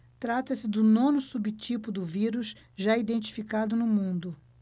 trata-se do nono subtipo do vírus já identificado no mundo